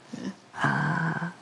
Ie. A